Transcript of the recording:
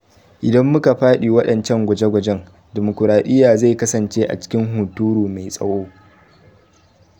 Idan muka fadi wadancan gwajegwajen, dimokuradiyya zai kasance a cikin hunturu mai tsawo.